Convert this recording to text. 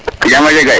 jam a jega